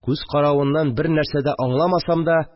Күз каравыннан бернәрсә дә аңламасам да